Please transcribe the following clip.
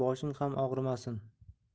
boshing ham og'rimasin